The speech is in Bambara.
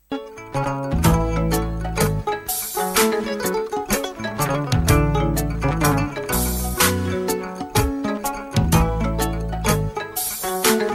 Maa